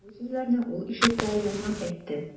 Бу сүзләрне ул ишеккә янап әйтте.